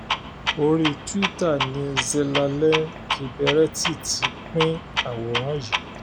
Orí Twitter ni Zelalem Kiberet ti pín àwòrán yìí.